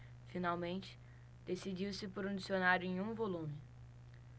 finalmente decidiu-se por um dicionário em um volume